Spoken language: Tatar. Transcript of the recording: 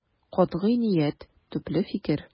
Катгый ният, төпле фикер.